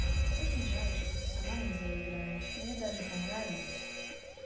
очень жаль что ты сама не заиграешь мне даже понравилась